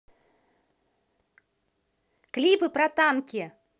клипы про танки